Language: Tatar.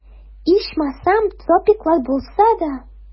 Ичмасам, тропиклар булса да...